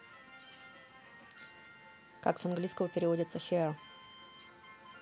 как с английского переводится hear